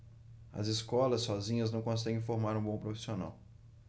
as escolas sozinhas não conseguem formar um bom profissional